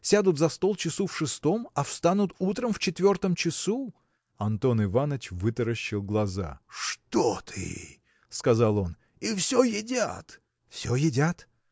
сядут за стол часу в шестом, а встанут утром в четвертом часу. Антон Иваныч вытаращил глаза. – Что ты! – сказал он, – и всё едят? – Все едят!